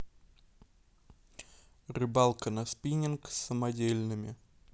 рыбалка на спиннинг с самодельными